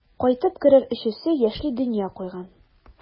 Кайтып керер өчесе яшьли дөнья куйган.